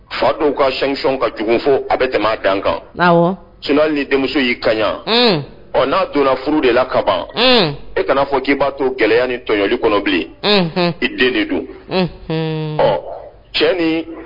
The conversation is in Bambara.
Fa dɔw ka sanction ka jugu fɔ a bɛ tɛmɛ a dan kan. Awɔ. Sinon hali ni denmuso y'i kɛɲɛ; un; Ɔ n'a donna furu de la ka ban; un;e kana fɔ k'i b'a to gɛlɛya ni tɔɲɔli kɔnɔ bilen; Unhun ; i den de don; unhuun; ɔ cɛ ni